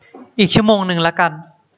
อีกชั่วโมงนึงละกัน